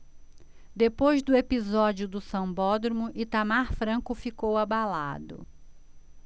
depois do episódio do sambódromo itamar franco ficou abalado